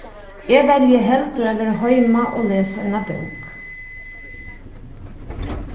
eg velji heldur at vera heima og lesa eina bók